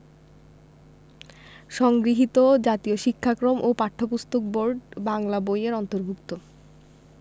সংগৃহীত জাতীয় শিক্ষাক্রম ও পাঠ্যপুস্তক বোর্ড বাংলা বই এর অন্তর্ভুক্ত